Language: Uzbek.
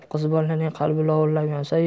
qiz bolaning qalbi lovillab yonsa yu